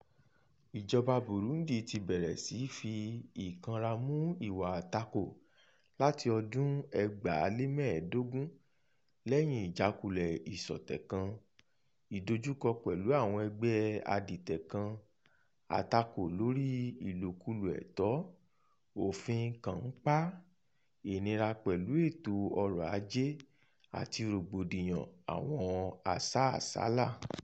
Ìjọba Burundi ti bẹ̀rẹ̀ sí í fi ìkanra mú ìwà àtakò láti ọdún 2015, lẹ́yìn ìjákulẹ̀ ìṣọ̀tẹ̀ kan, ìdojúkọ pẹ̀lú àwọn ẹgbẹ́ adìtẹ̀ kan, àtakò lórí ìlòkulò ẹ̀tọ́, òfin kànńpá, ìnira pẹ̀lú ètò ọrọ̀-ajé àti rògbòdìyàn àwọn asásàálà.